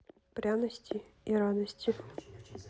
пряности и радости